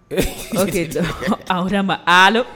An ma ala